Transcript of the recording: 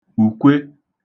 ùkwe